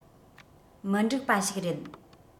མི འགྲིག པ ཞིག རེད